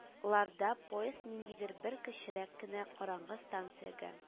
Ларда поезд ниндидер бер кечерәк кенә караңгы станциягә